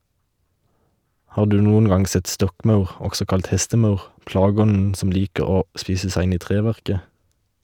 Har du noen gang sett stokkmaur, også kalt hestemaur , plageånden som liker å spise seg inn i treverket?